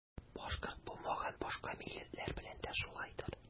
Башкорт булмаган башка милләтләр белән дә шулайдыр.